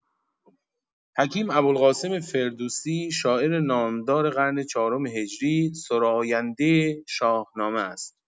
حکیم ابوالقاسم فردوسی، شاعر نامدار قرن چهارم هجری، سراینده شاهنامه است.